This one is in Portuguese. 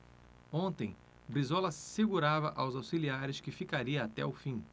ontem brizola assegurava aos auxiliares que ficaria até o fim